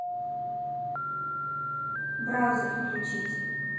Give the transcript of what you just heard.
браузер включить